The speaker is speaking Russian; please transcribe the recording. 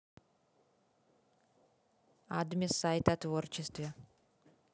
адме сайт о творчестве